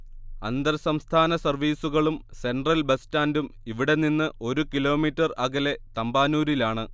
അന്തർസംസ്ഥാന സർവീസുകളും central bus സ്റ്റാൻഡും ഇവിടെനിന്ന് ഒരു കിലോമീറ്റർ അകലെ തമ്പാനൂരിലാണ്